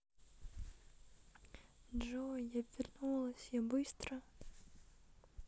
джой я вернулась я быстро